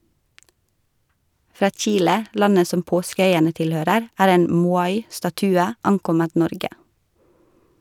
Fra Chile, landet som Påskeøyene tilhører, er en Moai statue ankommet Norge.